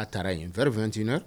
A taara yen n fɛntina